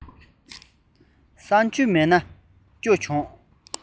བསམ མེད ཡིན ན སྐྱོ བྱུང